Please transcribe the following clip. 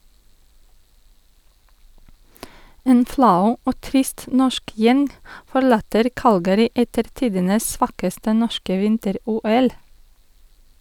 En flau og trist norsk gjeng forlater Calgary etter tidenes svakeste norske vinter-OL.